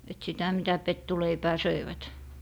että sitä mitä pettuleipää söivät